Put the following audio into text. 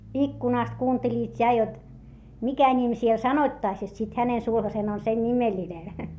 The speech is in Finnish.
ikkunasta kuuntelivat ja jotta mikä nimi siellä sanottaisiin jotta sitten hänen sulhasensa on sen nimellinen